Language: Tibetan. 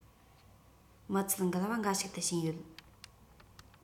མི ཚད འགལ བ འགའ ཞིག ཏུ ཕྱིན ཡོད